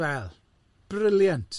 Wel, brilliant.